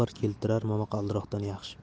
yomg'ir keltirar momaqaldiroq yaxshi